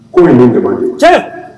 Ko ye nin ɲɔgɔn cɛ